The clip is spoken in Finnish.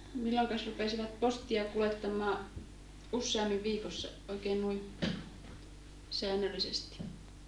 milloinkas rupesivat postia kuljettamaan useammin viikossa oikein noin säännöllisesti